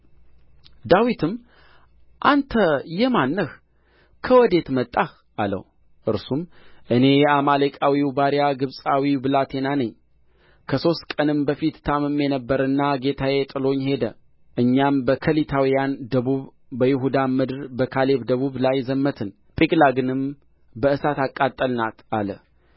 ዳዊትም አንተ የማን ነህ ከወዴት መጣህ አለው እርሱም እኔ የአማሌቃዊ ባሪያ ግብጻዊ ብላቴና ነኝ ከሦስት ቀንም በፊት ታምሜ ነበርና ጌታዬ ጥሎኝ ሄደ እኛም በከሊታውያን ደቡብ በይሁዳም ምድር በካሌብም ደቡብ ላይ ዘመትን ጺቅላግንም በእሳት አቃጠልናት አለ